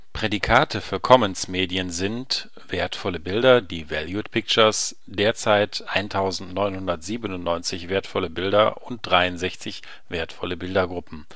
Prädikate für Commons-Medien sind Wertvolle Bilder (Valued pictures) derzeit 1.997 wertvolle Bilder und 63 wertvolle Bildergruppen